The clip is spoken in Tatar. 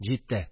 Җитте